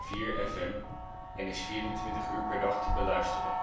93,4 FM en is 24 uur per dag te beluisteren